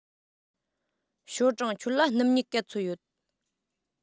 ཞའོ ཀྲང ཁྱོད ལ སྣུམ སྨྱུག ག ཚོད ཡོད